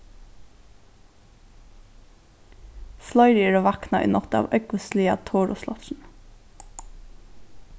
fleiri eru vaknað í nátt av ógvusliga torusláttrinum